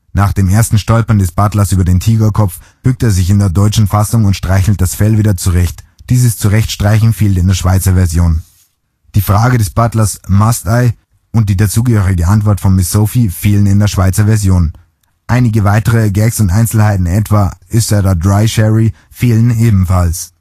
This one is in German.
Nach dem ersten Stolperer des Butlers über den Tigerkopf bückt er sich in der deutschen Version und streicht das Fell wieder zurecht. Dieses Zurechtstreichen fehlt in der Schweizer Version. Die Frage des Butlers “Must I?” und die zugehörige Antwort von Miss Sophie fehlen in der Schweizer Version. Einige weitere Gags und Einzelheiten, etwa “Is that a dry sherry?”, fehlen ebenfalls